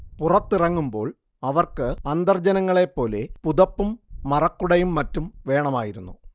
പുറത്തിറങ്ങുമ്പോൾ അവർക്ക് അന്തർജനങ്ങളെപ്പോലെ പുതപ്പും മറക്കുടയും മറ്റും വേണമായിരുന്നു